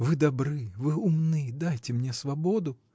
Вы добры, вы умны, дайте мне свободу.